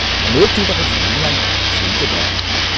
còn nếu chúng ta không xử lý nhanh xử lý triệt để